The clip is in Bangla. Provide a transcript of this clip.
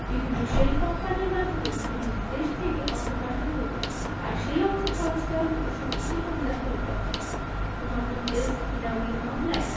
বিভিন্ন শেল কোম্পানির মাধ্যমে বিভিন্ন দেশ থেকে অর্থ পাঠানো হতো আর সেই অর্থ খরচ করা হতো সন্ত্রাসী হামলার পরিকল্পনায় মোহাম্মদ এলসহিনাউয়ির মামলায়